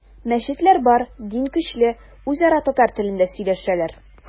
Мәчетләр бар, дин көчле, үзара татар телендә сөйләшәләр.